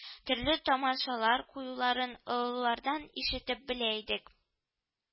Төрле тамашалар куюларын олылардан ишетеп белә идек